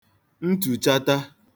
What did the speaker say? ntùchata